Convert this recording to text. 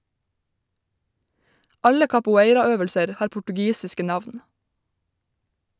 Alle capoeiraøvelser har portugisiske navn.